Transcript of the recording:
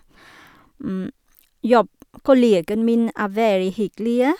jobb Kollegene mine er veldig hyggelige.